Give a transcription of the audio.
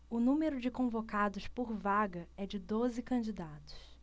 o número de convocados por vaga é de doze candidatos